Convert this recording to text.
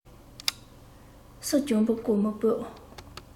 སུས ཀྱང འབུ རྐོ མི སྤོབས